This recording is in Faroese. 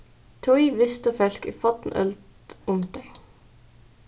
tí vistu fólk í fornøld um tær